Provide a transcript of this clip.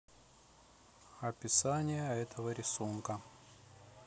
описание этого рисунка